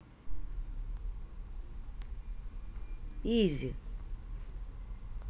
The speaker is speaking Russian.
izi